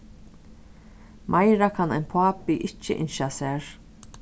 meira kann ein pápi ikki ynskja sær